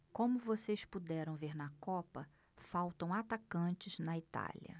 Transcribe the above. como vocês puderam ver na copa faltam atacantes na itália